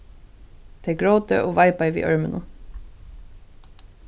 tey grótu og veipaðu við ørmunum